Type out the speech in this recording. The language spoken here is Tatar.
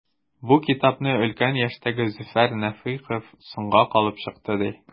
Бу китапны өлкән яшьтәге Зөфәр Нәфыйков “соңга калып” чыкты, ди.